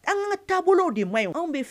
An ka taabolo de ma